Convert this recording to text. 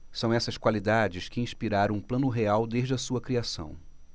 são essas qualidades que inspiraram o plano real desde a sua criação